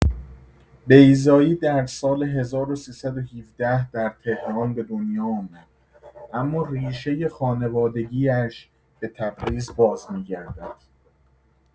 بیضایی در سال ۱۳۱۷ در تهران به دنیا آمد اما ریشه خانوادگی‌اش به تبریز بازمی‌گردد.